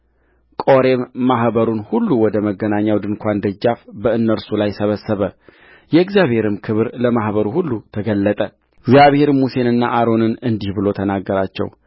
ቆሬም ማኅበሩን ሁሉ ወደ መገናኛው ድንኳን ደጃፍ በእነርሱ ላይ ሰበሰበ የእግዚአብሔርም ክብር ለማኅበሩ ሁሉ ተገለጠእግዚአብሔርም ሙሴንና አሮንን እንዲህ ብሎ ተናገራቸው